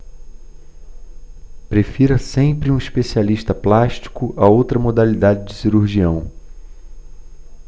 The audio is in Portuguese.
prefira sempre um especialista plástico a outra modalidade de cirurgião